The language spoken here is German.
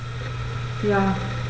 Ja.